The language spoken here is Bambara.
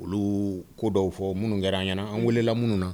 Olu ko dɔw fɔ minnu kɛra an ɲɛna an welela minnu na